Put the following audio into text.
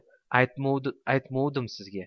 aytmovdim sizga